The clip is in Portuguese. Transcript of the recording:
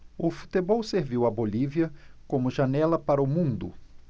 o futebol serviu à bolívia como janela para o mundo